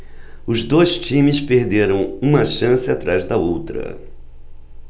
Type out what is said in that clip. os dois times perderam uma chance atrás da outra